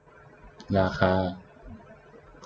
ราคา